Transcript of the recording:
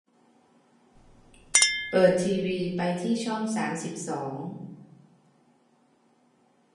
เปิดทีวีไปที่ช่องสามสิบสอง